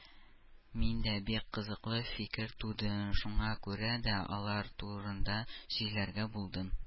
Миндә бик кызыклы фикер туды, шуңа күрә дә алар турында сөйләргә булдым